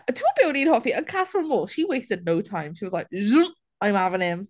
Timod be o'n i'n hoffi? Yn Casa Amor she wasted no time. She was like "zoom I'm having him".